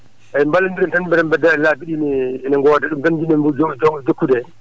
eeyi ballonndiren tan mbele peddaaji laabi ɗi ne ene ngooda ɗum tan jinnomi jok jokkude heen